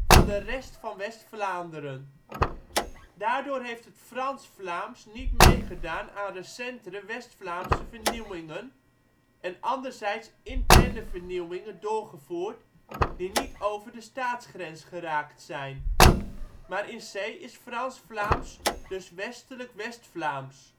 van de rest van West-Vlaanderen. Daardoor heeft het Frans-Vlaams niet meegedaan aan recentere West-Vlaamse vernieuwingen, en anderzijds interne vernieuwingen doorgevoerd die niet over de staatsgrens geraakt zijn. Maar in se is Frans-Vlaams dus westelijk West-Vlaams